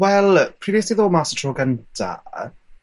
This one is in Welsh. Wel, pryd wnes i ddod mas y tro gynta,